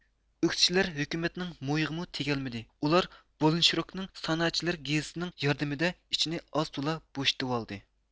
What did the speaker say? ئۆكتىچىلەر ھۆكۈمەتىنىڭ مويىغىمۇ تېگەلمىدى ئۇلار بولىنشروكنىڭ سانائەتچىلەر گېزىتى نىڭ ياردىمىدە ئىچىنى ئاز تولا بوشىتىۋالدى